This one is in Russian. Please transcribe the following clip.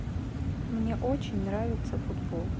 мне очень нравится футбол